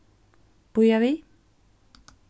bíða við